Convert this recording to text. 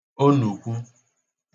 onùkwu